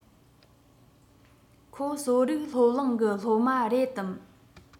ཁོ གསོ རིག སློབ གླིང གི སློབ མ རེད དམ